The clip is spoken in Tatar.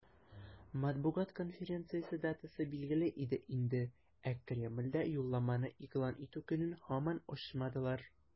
Матбугат конференциясе датасы билгеле иде инде, ә Кремльдә юлламаны игълан итү көнен һаман ачмадылар.